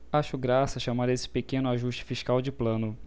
acho graça chamar esse pequeno ajuste fiscal de plano